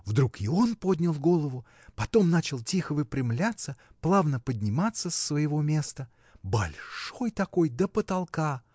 Вдруг и он поднял голову, потом начал тихо выпрямляться, плавно подниматься с своего места. Большой такой, до потолка!